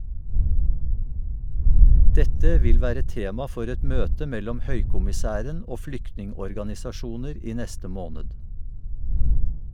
Dette vil være tema for et møte mellom høykommissæren og flyktningorganisasjoner i neste måned.